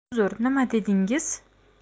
uzr nima dedingiz